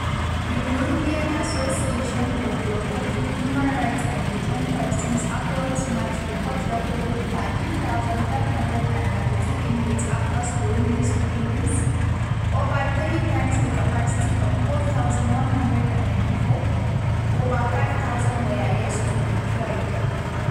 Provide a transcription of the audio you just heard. The Burundian Association for Protecting Human Rights and Detained Persons (APRODH)’s March report recorded 13,532 inmates across Burundi’s prisons, over three times the capacity of 4,194; Over 5,000 were yet to be tried.